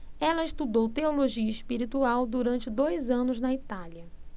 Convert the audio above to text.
ela estudou teologia espiritual durante dois anos na itália